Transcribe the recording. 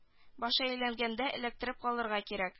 Башы әйләнгәндә эләктереп калырга кирәк